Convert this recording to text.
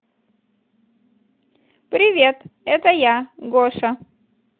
привет это я гоша